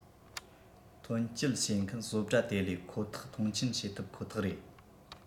ཐོན སྐྱེད བྱེད མཁན བཟོ གྲྭ དེ ལས ཁོ ཐག མཐོང ཆེན བྱེད ཐུབ ཁོ ཐག རེད